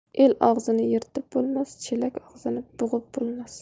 el og'zini yirtib bo'lmas chelak og'zini bug'ib bo'lmas